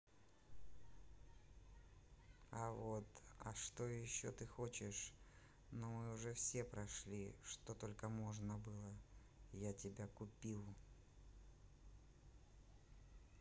а вот а что еще ты хочешь ну мы уже все прошли что только можно было я тебя купил